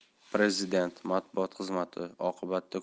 prezident matbuot xizmati oqibatda